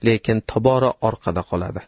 lekin tobora orqada qoladi